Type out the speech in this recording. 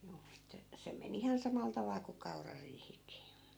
juu että se meni ihan samalla tavalla kuin kaurariihikin